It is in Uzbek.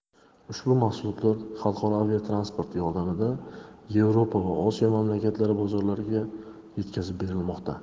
ushbu mahsulotlar xalqaro aviatransport yordamida yevropa va osiyo mamlakatlari bozorlariga yetkazib berilmoqda